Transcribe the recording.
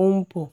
ó ń bọ̀.